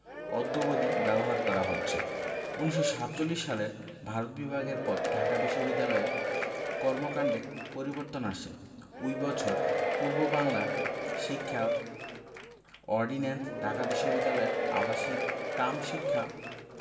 অদ্যবধি ব্যবহার করা হচ্ছে ১৯৪৭ সালে ভারত বিভাগের পর ঢাকা বিশ্ববিদ্যালয়ের কর্মকান্ডে পরিবর্তন আসে ওই বছর পূর্ববাংলার শিক্ষা অর্ডিন্যান্স ঢাকা বিশ্ববিদ্যালয়ের আবাসিক কাম শিক্ষা